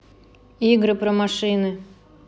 игры про машины